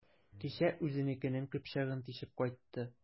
Кичә үзенекенең көпчәген тишеп кайтты.